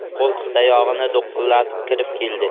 qo'ltiqtayog'ini do'qillatib kirib keldi